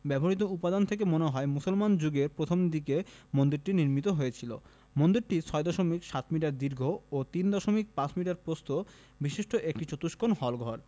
ব্যবহূত উপাদান থেকে মনে হয় মুসলমান যুগের প্রথমদিকে মন্দিরটি নির্মিত হয়েছিল মন্দিরটি ৬ দশমিক ৭ মিটার দীর্ঘ ও ৩ দশমিক ৫ মিটার প্রস্থ বিশিষ্ট একটি চতুষ্কোণ হলঘর